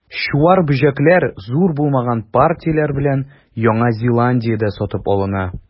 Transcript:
Чуар бөҗәкләр, зур булмаган партияләр белән, Яңа Зеландиядә сатып алына.